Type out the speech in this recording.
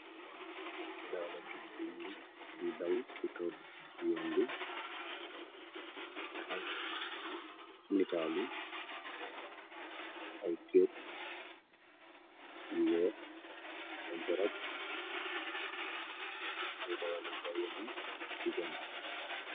Dawalekaay buñu yu daw ci kaw yoon bi taxal nitaali ay kërr yu weex garab ay dawalekay yeneen ci ganaaw.